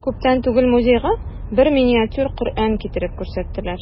Күптән түгел музейга бер миниатюр Коръән китереп күрсәттеләр.